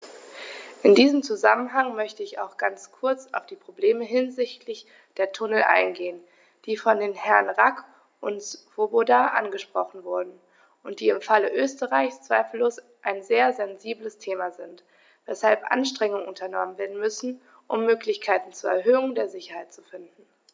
In diesem Zusammenhang möchte ich auch ganz kurz auf die Probleme hinsichtlich der Tunnel eingehen, die von den Herren Rack und Swoboda angesprochen wurden und die im Falle Österreichs zweifellos ein sehr sensibles Thema sind, weshalb Anstrengungen unternommen werden müssen, um Möglichkeiten zur Erhöhung der Sicherheit zu finden.